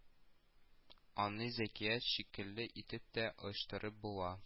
Аны зәкият шикелле итеп тә оештырып була